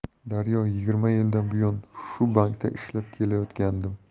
daryo yigirma yildan buyon shu bankda ishlab kelayotgandim